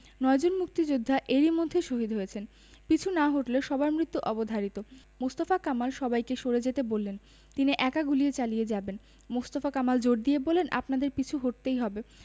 নয়জন মুক্তিযোদ্ধা এর মধ্যেই শহিদ হয়েছেন পিছু না হটলে সবার মৃত্যু অবধারিত মোস্তফা কামাল সবাইকে সরে যেতে বললেন তিনি একা গুলি চালিয়ে যাবেন মোস্তফা কামাল জোর দিয়ে বললেন আপনাদের পিছু হটতেই হবে